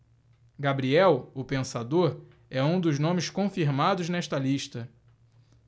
gabriel o pensador é um dos nomes confirmados nesta lista